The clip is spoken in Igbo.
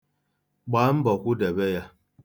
Gbaa mbọ kwụdebe ya.